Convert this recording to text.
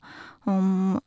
Om...